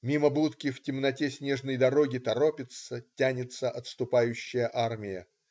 Мимо будки в темноте снежной дороги торопится, тянется отступающая армия.